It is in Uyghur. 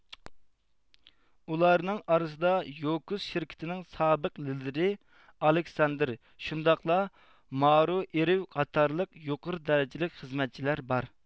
ئۇلارنىڭ ئارىسىدا يۇكوس شىركىتىنىڭ سابىق لىدىرى ئالېكساندىر شۇنداقلا مارۇئېرۋ قاتارلىق يۇقىرى دەرىجىلىك خىزمەتچىلەر بار